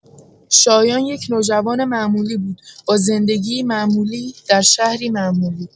شایان یک نوجوان معمولی بود، با زندگی‌ای معمولی، در شهری معمولی.